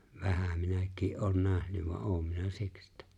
vähän minäkin olen nähnyt vaan olen minä siksi että